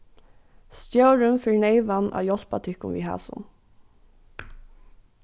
stjórin fer neyvan at hjálpa tykkum við hasum